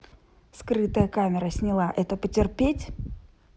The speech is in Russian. скрытая камера сняла это потерпеть